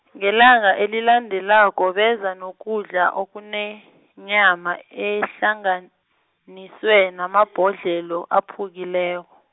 ngelanga elilandelako beza nokudla okunenyama, ehlanganiswe, namabhodlelo, aphukileko.